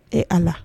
Ee ala la